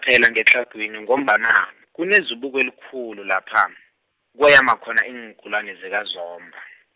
phela ngetlhagwini, ngombana, kunezibuko elikhulu lapha, kweyama khona iingulani zikaZomba.